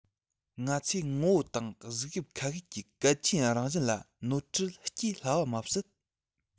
ང ཚོས ངོ བོ དང གཟུགས དབྱིབས ཁ ཤས ཀྱི གལ ཆེན རང བཞིན ལ ནོར འཁྲུལ སྐྱེ སླ བ མ ཟད